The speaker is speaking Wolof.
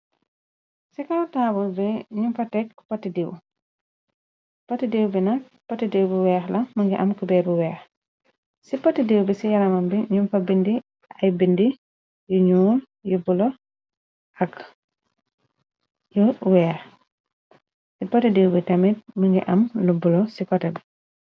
Ci kawtaabul bi ñyung fa tek ku pottidiiw pottidiiw bina pottidiiw bi weex la më ngi am ku beeru weex ci pottidiiw bi ci yarama bi ñum fa bindi ay bindi yu ñuul yu bulo ak yu weex ci pottidiiw bi temit më ngi am lu bulo ci kote bi.